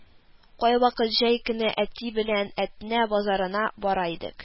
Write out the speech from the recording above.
Кайвакыт җәй көне әти белән Әтнә базарына бара идек